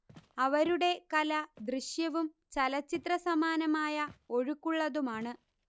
അവരുടെ കല ദൃശ്യവും ചലച്ചിത്രസമാനമായ ഒഴുക്കുള്ളതുമാണ്